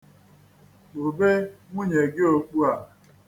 Kpube nwunye gị okpu a.